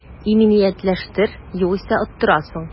Иминиятләштер, югыйсә оттырасың